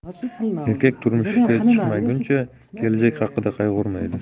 erkak turmushga chiqmaguncha kelajak haqida qayg'urmaydi